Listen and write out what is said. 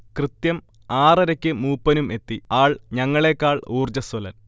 കൃത്യം ആറരക്ക് മൂപ്പനും എത്തി, ആൾ ഞങ്ങളേക്കാൾ ഊർജ്ജസ്വലൻ